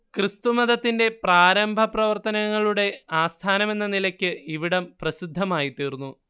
ക്രിസ്തുമതത്തിന്റെ പ്രാരംഭപ്രവർത്തനങ്ങളുടെ ആസ്ഥാനമെന്ന നിലയ്ക്ക് ഇവിടം പ്രസിദ്ധമായിത്തീർന്നു